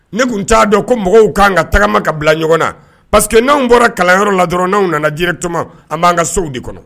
Ni tun t'a dɔn ko mɔgɔw kan ka tagama ka bila ɲɔgɔn na parce que n'anw bɔra kalanyɔrɔ la dɔrɔn n'naw nana directement an b'an ka sow de kɔnɔ